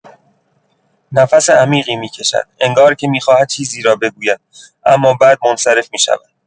نفس عمیقی می‌کشد، انگار که می‌خواهد چیزی را بگوید، اما بعد منصرف می‌شود.